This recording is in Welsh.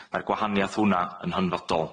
Ma'r gwahaniath hwn'na yn hanfodol.